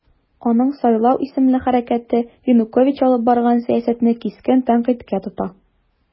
Аның "Сайлау" исемле хәрәкәте Янукович алып барган сәясәтне кискен тәнкыйтькә тота.